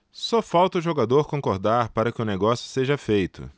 só falta o jogador concordar para que o negócio seja feito